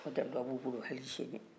o daluya bɛ u bolo hali sini